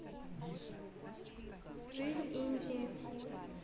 жизнь индии